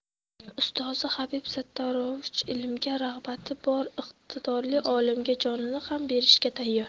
ustozi habib sattorovich ilmga rag'bati bor iqtidorli olimga jonini ham berishga tayyor